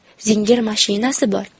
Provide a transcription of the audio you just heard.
zinger mashinasi bor